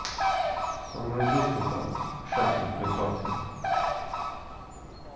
самая быстрая шахматная партия